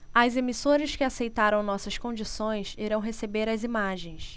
as emissoras que aceitaram nossas condições irão receber as imagens